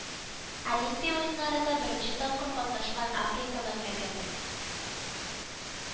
Олимпия уеннарында беренче тапкыр катнашкан Африка мәмләкәте